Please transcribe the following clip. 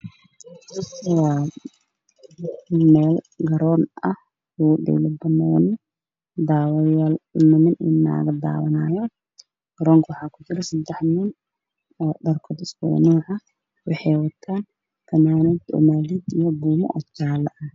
Meeshan waa garoon ka niman ayaa jooga banooni dheelayo oo wataan fanaanado jecla ah dad ayaa ka dambeeya